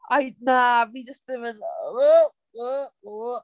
I... Na fi just ddim yn .